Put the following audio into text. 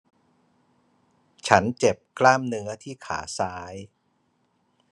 ฉันเจ็บกล้ามเนื้อที่ขาซ้าย